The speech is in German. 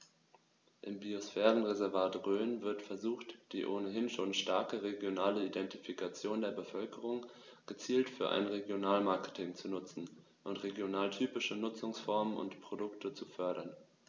Im Biosphärenreservat Rhön wird versucht, die ohnehin schon starke regionale Identifikation der Bevölkerung gezielt für ein Regionalmarketing zu nutzen und regionaltypische Nutzungsformen und Produkte zu fördern.